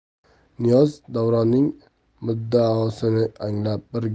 niyoz davronning muddaosini anglab bir